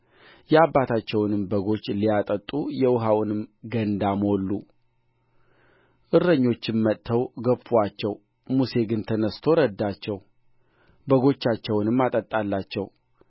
የአባታቸውንም በጎች ሊያጠጡ የውኃውን ገንዳ ሞሉ እረኞችም መጥተው ገፉአቸው ሙሴ ግን ተነሥቶ ረዳቸው በጎቻቸውንም አጠጣላቸው